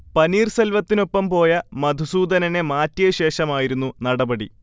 പനീർസെൽവത്തിനൊപ്പം പോയ മധുസൂദനനെ മാറ്റിയ ശേഷമായിരുന്നു നടപടി